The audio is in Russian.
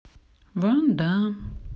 ван дам